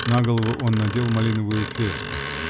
на голову он надел малиновую феску.